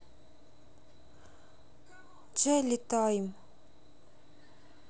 jelly time